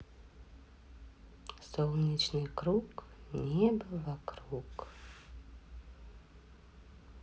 солнечный круг небо вокруг